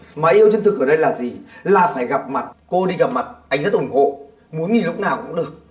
mà yêu chân thực ở đây là gì là phải gặp mặt cô đi gặp mặt anh rất ủng hộ muốn nghỉ lúc nào cũng được